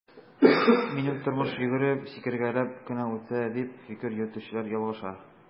Минем тормыш йөгереп, сикергәләп кенә үтә, дип фикер йөртүчеләр ялгыша.